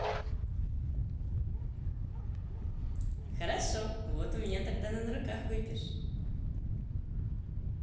хорошо вот у меня тогда на на руках выпьешь